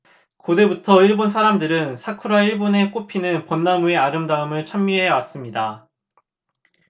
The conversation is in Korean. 고대로부터 일본 사람들은 사쿠라 일본의 꽃피는 벚나무 의 아름다움을 찬미해 왔습니다